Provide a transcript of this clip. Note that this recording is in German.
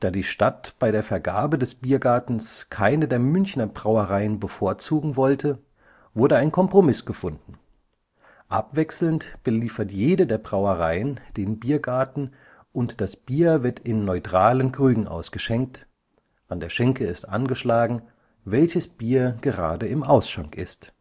die Stadt bei der Vergabe des Biergartens keine der Münchner Brauereien bevorzugen wollte, wurde ein Kompromiss gefunden: abwechselnd beliefert jede der Brauereien den Biergarten und das Bier wird in neutralen Krügen ausgeschenkt, an der Schänke ist angeschlagen, welches Bier gerade im Ausschank ist